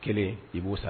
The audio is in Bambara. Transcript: Kelen i b'o sara